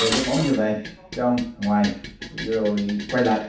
rê dắt bóng như vậy trong ngoài rồi quay lại